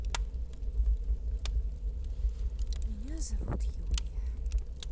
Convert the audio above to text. меня зовут юлия